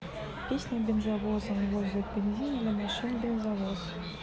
песня бензовозом возит бензин для машин бензовоз